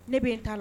Ne b bɛ'i ta la